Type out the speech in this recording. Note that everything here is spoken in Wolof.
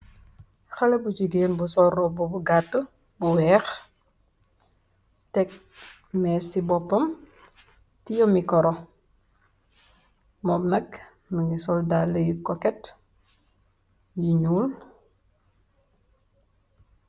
Xale bu jigeen bu sol roba bu gatta bu weex teg mess ci boppam tiye mikoro moom nag mogi sol daala yu koket yu ñuul.